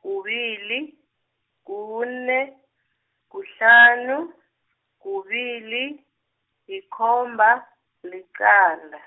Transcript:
kubili, kune, kuhlanu, kubili, likhomba, liqanda.